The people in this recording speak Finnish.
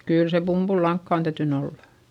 kyllä se pumpulilankaa on täytynyt olla